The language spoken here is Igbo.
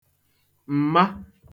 m̀ma